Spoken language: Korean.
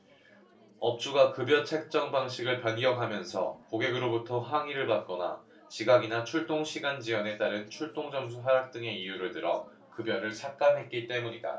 업주가 급여 책정 방식을 변경하면서 고객으로부터 항의를 받거나 지각이나 출동 시간 지연에 따른 출동점수 하락 등의 이유를 들어 급여를 삭감했기 때문이다